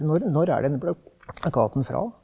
når når er denne plakaten fra?